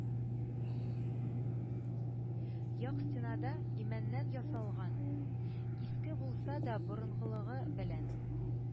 Як стенада имәннән ясалган, иске булса да борынгылыгы белән